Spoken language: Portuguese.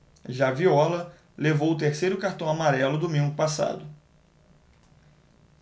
já viola levou o terceiro cartão amarelo domingo passado